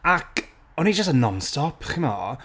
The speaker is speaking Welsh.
Ac, o'n i jyst yn non-stop chimod.